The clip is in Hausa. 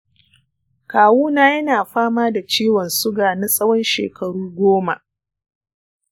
kawu na ya na fama da ciwon suga na tsawon shekaru goma.